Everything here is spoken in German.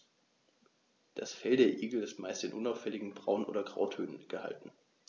Das Fell der Igel ist meist in unauffälligen Braun- oder Grautönen gehalten.